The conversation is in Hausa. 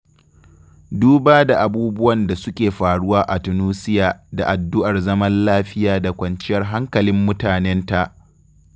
Duba da abubuwan da suke faruwa a #Tunisia da addu'ar zaman lafiya da kwanciyar hankalin mutanenta.